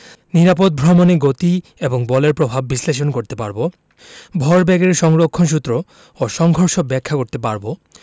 নিরাপদ ভ্রমণে গতি এবং বলের প্রভাব বিশ্লেষণ করতে পারব ভরবেগের সংরক্ষণ সূত্র ও সংঘর্ষ ব্যাখ্যা করতে পারব